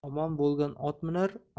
omon bo'lgan ot minar